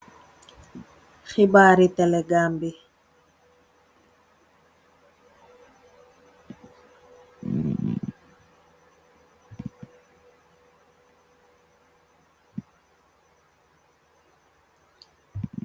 Xibaari tele Gambi